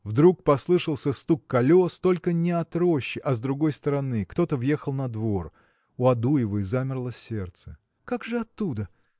Вдруг послышался стук колес, только не от рощи, а с другой стороны. Кто-то въехал на двор. У Адуевой замерло сердце. Как же оттуда?